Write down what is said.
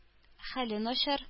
Хәле начар